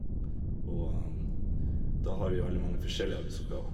Og da har vi veldig mange forskjellige arbeidsoppgaver.